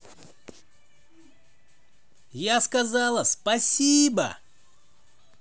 я сказала спасибо